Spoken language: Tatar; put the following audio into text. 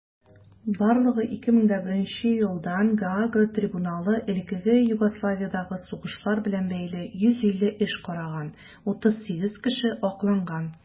Барлыгы 2001 елдан Гаага трибуналы элеккеге Югославиядәге сугышлар белән бәйле 150 эш караган; 38 кеше акланган.